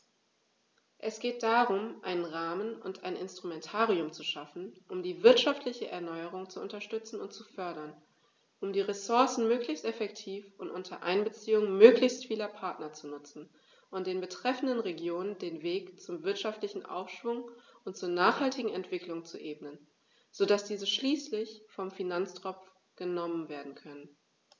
Es geht darum, einen Rahmen und ein Instrumentarium zu schaffen, um die wirtschaftliche Erneuerung zu unterstützen und zu fördern, um die Ressourcen möglichst effektiv und unter Einbeziehung möglichst vieler Partner zu nutzen und den betreffenden Regionen den Weg zum wirtschaftlichen Aufschwung und zur nachhaltigen Entwicklung zu ebnen, so dass diese schließlich vom Finanztropf genommen werden können.